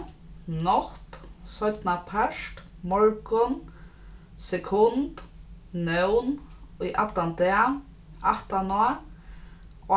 nátt seinnapart morgun sekund nón í allan dag aftaná